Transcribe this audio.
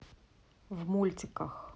в мультиках